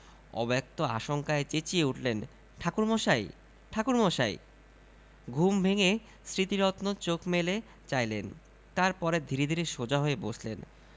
অব্যক্ত আশঙ্কায় চেঁচিয়ে উঠলেন ঠাকুরমশাই ঠাকুরমশাই ঘুম ভেঙ্গে স্মৃতিরত্ন চোখ মেলে চাইলেন তার পরে ধীরে ধীরে সোজা হয়ে বসলেন